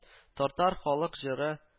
Тартар халык җыры